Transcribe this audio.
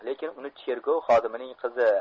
lekin uni cherkov xodimining qizi